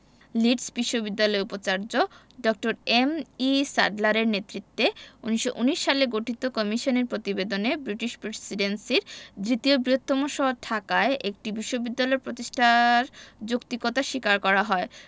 Leeds বিশ্ববিদ্যালয়ের উপাচার্য ড. এম.ই স্যাডলারের নেতৃত্বে ১৯১৯ সালে গঠিত কমিশনের প্রতিবেদনে ব্রিটিশ প্রেসিডেন্সির দ্বিতীয় বৃহত্তম শহর ঢাকায় একটি বিশ্ববিদ্যালয় প্রতিষ্ঠার যৌক্তিকতা স্বীকার করা হয়